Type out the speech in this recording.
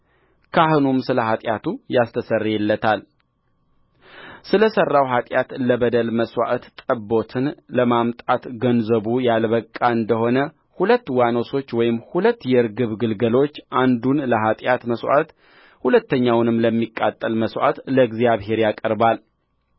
ካህኑም ስለ ኃጢአቱ ያስተሰርይለታልስለ ሠራው ኃጢአት ለበደል መሥዋዕት ጠቦትን ለማምጣት ገንዘቡ ያልበቃ እንደ ሆነ ሁለት ዋኖሶች ወይም ሁለት የርግብ ግልገሎች አንዱን ለኃጢአት መሥዋዕት ሁለተኛውንም ለሚቃጠል መሥዋዕት ለእግዚአብሔር ያቀርባል